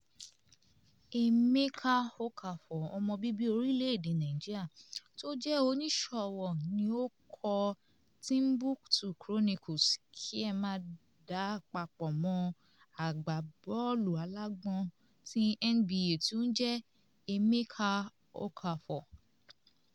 Emeka Okafor, ọmọ bíbí orílẹ̀-èdè Nàìjíríà tí ó jẹ́ oníṣòwò ni ó kọ Timbuktu Chronicles, kí ẹ má dàá papọ̀ mọ́ agbábọ́ọ̀lù-alágbọ̀n ti NBA tí ó ń jẹ́ Emeka Okafor.